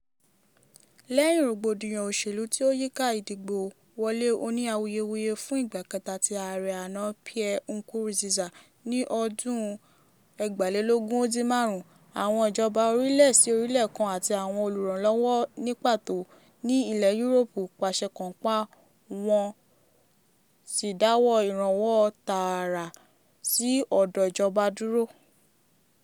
Lẹ́yìn rògbòdìyàn òṣèlú tí ó yíká ìdìbò wọlé òní awuyewuye fún ìgbà kẹta tí Ààrẹ àná Pierre Nkurunziza ní ọdún 2015, àwọn ìjọba orílẹ̀-sí-orílẹ̀ kan àti àwọn olúranilọ́wọ̀, ní pàtó ní Ilẹ̀ Yúróòpù, pàṣẹ kànńpá wọ́n sì dáwọ́ ìrànwọ́ tààrà sí ọ̀dọ̀ ìjọba dúró.